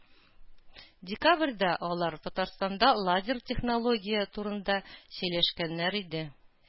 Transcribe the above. Декабрьдә алар Татарстанда лазер технология турында сөйләшкәннәр иде.